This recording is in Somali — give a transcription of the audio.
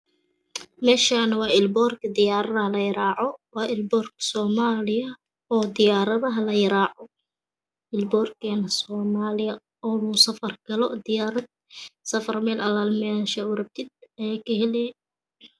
Meshana wacelbokadiyaradah lagaraaco waaceelborka somali odiyaradalaguraca